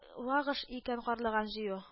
Вак эш икән карлыган җыю